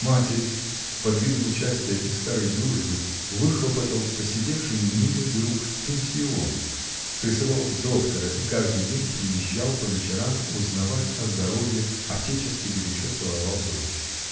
Матери, под видом участия и старой дружбы, выхлопотал поседевший мнимый друг пенсион, присылал доктора и каждый день приезжал, по вечерам, узнавать о здоровье, отечески горячо целовал дочь.